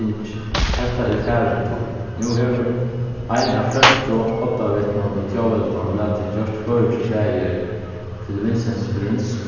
tingi hetta er farin tíð nú hevur ein av fremstu oddavitnum í tjóðveldinum latið gjørt føroysk klæðir til prins